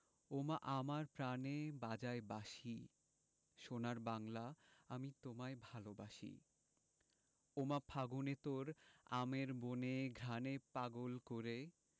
ওমা আমার প্রানে বাজায় বাঁশি সোনার বাংলা আমি তোমায় ভালোবাসি ওমা ফাগুনে তোর আমের বনে ঘ্রাণে পাগল করে